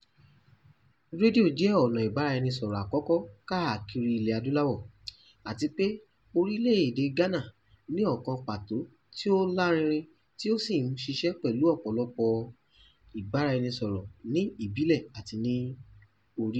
Rédíò sì jẹ́ ọ̀nà ìbáraẹnisọ̀rọ̀ àkọ́kọ́ káàkiri ilẹ̀ Adúláwò, àti pé orílẹ̀ èdè Ghana ní ọ̀kan pàtó tí ó lárinrin tí ó sì ń ṣiṣẹ́ pẹ̀lú ọ̀pọ̀lọpọ̀ ìbáraẹnisọ̀rọ̀ ní ìbílẹ̀ àti ní orílẹ̀.